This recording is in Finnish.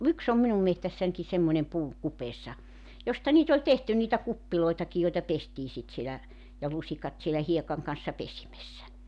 yksi on minun metsässänikin semmoinen puu kupeessa josta niitä oli tehty niitä kuppejakin joita pestiin sitten siellä ja lusikat siellä hiekan kanssa pesimessä